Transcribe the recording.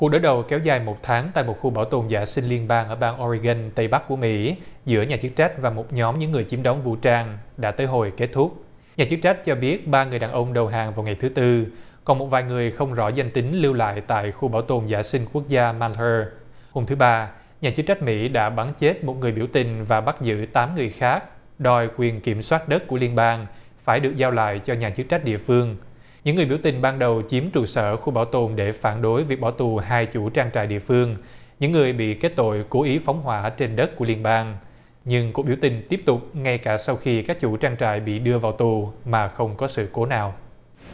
cuộc đối đầu kéo dài một tháng tại một khu bảo tồn giả xin liên bang ở bang ho ri gưn tây bắc của mỹ giữa nhà chức trách và một nhóm những người chiếm đóng vũ trang đã tới hồi kết thúc nhà chức trách cho biết ba người đàn ông đầu hàng vào ngày thứ tư còn một vài người không rõ danh tính lưu lại tại khu bảo tồn giả xuyên quốc gia man thơ hôm thứ ba nhà chức trách mỹ đã bắn chết một người biểu tình và bắt giữ tám người khác đòi quyền kiểm soát đất của liên bang phải được giao lại cho nhà chức trách địa phương những người biểu tình ban đầu chiếm trụ sở khu bảo tồn để phản đối việc bỏ tù hai chủ trang trại địa phương những người bị kết tội cố ý phóng hỏa trên đất của liên bang nhưng cuộc biểu tình tiếp tục ngay cả sau khi các chủ trang trại bị đưa vào tù mà không có sự cố nào